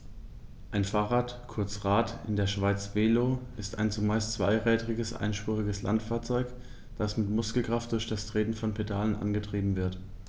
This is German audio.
Ein Fahrrad, kurz Rad, in der Schweiz Velo, ist ein zumeist zweirädriges einspuriges Landfahrzeug, das mit Muskelkraft durch das Treten von Pedalen angetrieben wird.